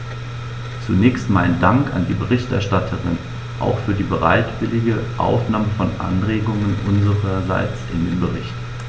Zunächst meinen Dank an die Berichterstatterin, auch für die bereitwillige Aufnahme von Anregungen unsererseits in den Bericht.